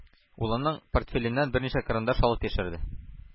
Улының портфеленнән берничә карандаш алып яшерде.